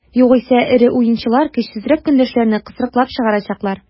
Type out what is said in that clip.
Югыйсә эре уенчылар көчсезрәк көндәшләрне кысрыклап чыгарачаклар.